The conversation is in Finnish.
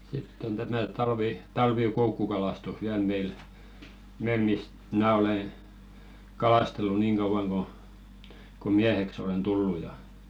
sitten on tämä - talvikoukkukalastus vielä meillä meillä mistä minä olen kalastellut niin kauan kun kuin mieheksi olen tullut ja